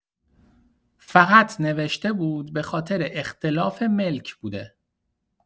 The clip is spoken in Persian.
فقط نوشته بود بخاطر اختلاف ملک بوده